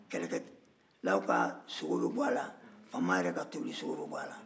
kɛlɛkɛlaw ka sogo bɛ bɔ a la faama yɛrɛ ka tobilisogo bɛ bɔ a la